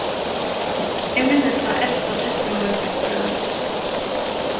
eg minnist tá elsta systir mín fekk brøv